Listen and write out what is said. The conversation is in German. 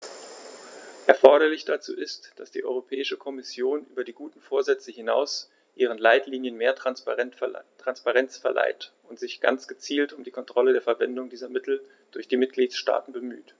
Erforderlich dazu ist, dass die Europäische Kommission über die guten Vorsätze hinaus ihren Leitlinien mehr Transparenz verleiht und sich ganz gezielt um die Kontrolle der Verwendung dieser Mittel durch die Mitgliedstaaten bemüht.